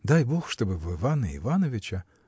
Дай Бог, чтоб в Ивана Ивановича!